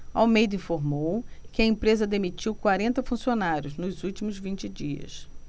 almeida informou que a empresa demitiu quarenta funcionários nos últimos vinte dias